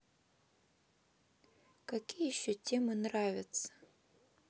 какие еще темы нравятся